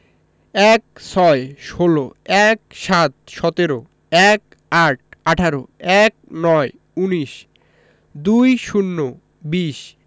১৬ ষোল ১৭ সতেরো ১৮ আঠারো ১৯ উনিশ ২০ বিশ